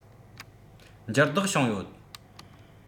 འགྱུར ལྡོག བྱུང ཡོད